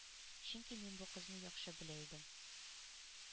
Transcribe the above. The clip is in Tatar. Чөнки мин бу кызны яхшы белә идем.